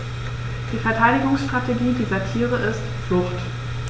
Die Verteidigungsstrategie dieser Tiere ist Flucht.